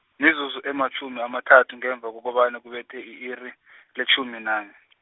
mizuzu ematjhumi amathathu ngemva kokobana kubethe i-iri, letjhumi nane.